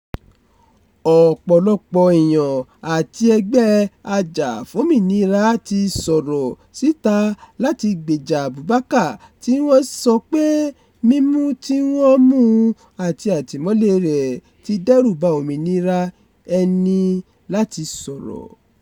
Ọ̀pọ̀lọpọ̀ èèyàn àti ẹgbẹ́ ajàfómìnira ti sọ̀rọ̀ síta láti gbèjà Abubacar tí wọ́n sọ pé mímú tí wọ́n mú un àti àtìmọ́lée rẹ̀ ti dẹ́rùba òmìnira ẹni láti sọ̀rọ̀.